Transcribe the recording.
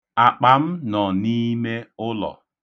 Akpa m nọ n'ime ụlọ.